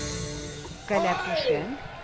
Кәләпүшем